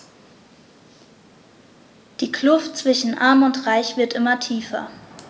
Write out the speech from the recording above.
Die Kluft zwischen Arm und Reich wird immer tiefer.